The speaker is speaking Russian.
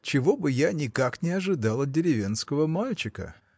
– чего бы я никак не ожидал от деревенского мальчика.